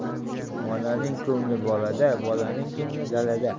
onaning ko'ngh bolada bolaning ko'ngli dalada